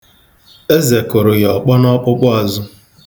Eze kụrụ ya ọkpọ n'ọkpụkpụazụ.